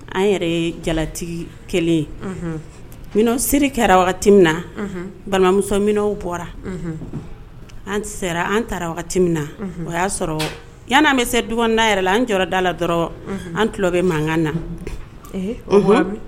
An yɛrɛ jalati kelen ye se kɛra wagati min na balimamusomin bɔra an sera an taara wagati min na o y'a sɔrɔ yananamɛ se du yɛrɛ la an jɔ dala la dɔrɔn an tulolɔ bɛ mankan na